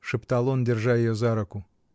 — шептал он, держа ее за руку.